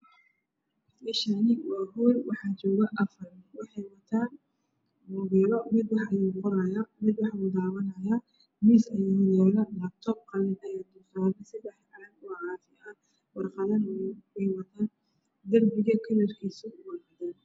Meshani waa hool waxaa jooga afar nin wexey watan mobeelo mid wax ayuu qoraya midna wax ayuu dawanaya miis ayaa hor labtood qalina ayaa dulsaran sedax caag waa cafiyal waraqadana wey watan derbigana kalarkiisa waa cadan